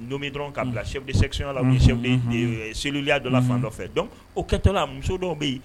Don dɔrɔn' bila sɛgɛya seliluya dɔ fan nɔfɛ dɔn o kɛtɔ muso dɔw bɛ yen